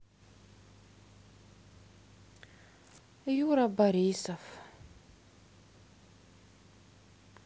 юра борисов